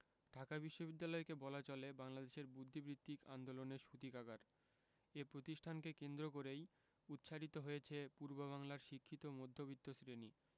ঢাকা বিশ্ববিদ্যালয়কে বলা চলে বাংলাদেশের বুদ্ধিবৃত্তিক আন্দোলনের সূতিকাগার এ প্রতিষ্ঠানকে কেন্দ্র করেই উৎসারিত হয়েছে পূর্ববাংলার শিক্ষিত মধ্যবিত্ত শ্রেণি